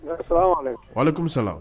Walimisala